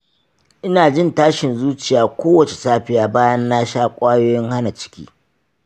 ina jin tashin zuciya kowace safiya bayan na shan kwayoyin hana ciki.